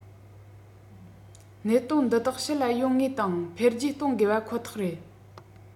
གནད དོན འདི དག ཕྱི ལ ཡོང ངེས དང འཕེལ རྒྱས གཏོང དགོས པ ཁོ ཐག རེད